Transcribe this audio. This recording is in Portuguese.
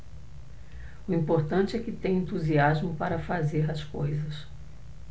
o importante é que tenho entusiasmo para fazer as coisas